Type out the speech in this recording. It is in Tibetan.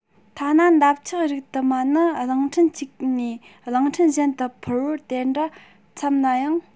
ཐ ན འདབ ཆགས རིགས དུ མ ནི གླིང ཕྲན གཅིག ནས གླིང ཕྲན གཞན དུ འཕུར པར དེ འདྲ འཚམ ན ཡང